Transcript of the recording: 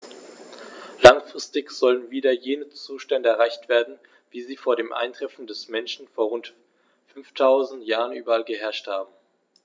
Langfristig sollen wieder jene Zustände erreicht werden, wie sie vor dem Eintreffen des Menschen vor rund 5000 Jahren überall geherrscht haben.